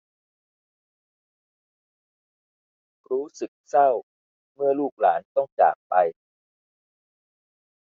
รู้สึกเศร้าเมื่อลูกหลานต้องจากไป